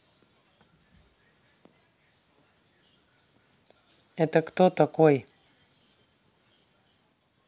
это кто такой